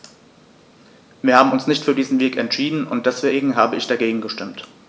Wir haben uns nicht für diesen Weg entschieden, und deswegen habe ich dagegen gestimmt.